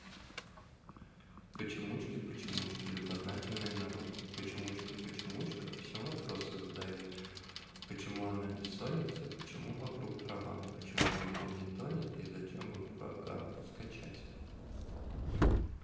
почемучки почемучки любознательный народ почемучка почемучка всем вопросы задает почему они бессоница почему вокруг трава почему дельфин не тонет и зачем бы курага скачать